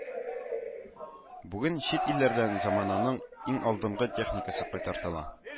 Бүген чит илләрдән замананың иң алдынгы техникасы кайтартыла